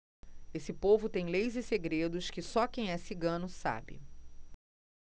esse povo tem leis e segredos que só quem é cigano sabe